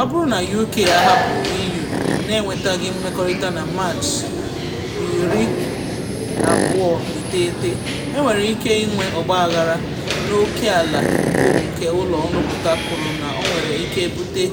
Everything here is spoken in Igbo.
Ọ bụrụ na UK ahapụ EU n’enwetaghị nkwekọrịta na Maachị 29, enwere ike inwe ọgbaghara n’oke ala bụ nke ụlọ nrụpụta kwuru na ọ nwere ike bute